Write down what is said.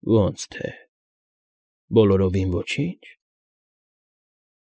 Ո՞նց թե, բոլորովին ոչի՞նչ։